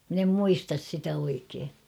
minä en muista sitä oikein